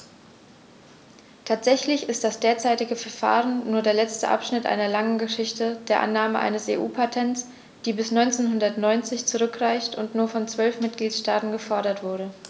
Tatsächlich ist das derzeitige Verfahren nur der letzte Abschnitt einer langen Geschichte der Annahme eines EU-Patents, die bis 1990 zurückreicht und nur von zwölf Mitgliedstaaten gefordert wurde.